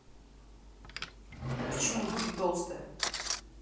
почему юля толстая